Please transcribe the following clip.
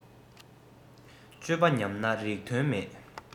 སྤྱོད པ ཉམས ན རིགས དོན མེད